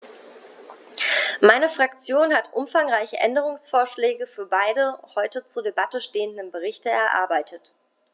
Meine Fraktion hat umfangreiche Änderungsvorschläge für beide heute zur Debatte stehenden Berichte erarbeitet.